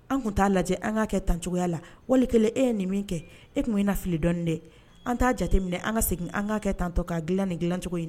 An tun t'a lajɛ an ka kɛ tan cogoyaya la wali kɛlen e ye nin min kɛ e tun i na fili dɔɔnin dɛ an t'a jateminɛ an ka segin an ka kɛ tantɔ k'a dilan ni dilancogo ɲini na